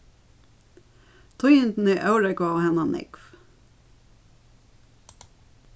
tíðindini órógvaðu hana nógv